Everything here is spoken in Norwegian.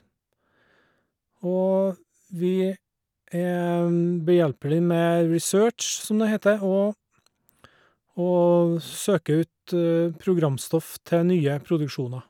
Og vi er behjelpelig med research, som det heter, og og søker ut programstoff til nye produksjoner.